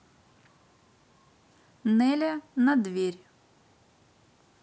nelya на дверь